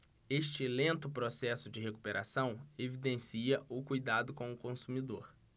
este lento processo de recuperação evidencia o cuidado com o consumidor